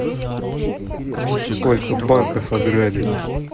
сколько банков пограбили